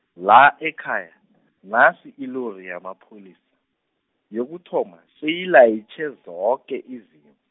la ekhaya , nasi ilori yamapholisa, yokuthoma seyilayitjhe zoke izimv-.